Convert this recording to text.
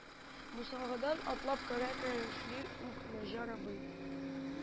Бусагадан атлап керә-керешли үк, Наҗар абый: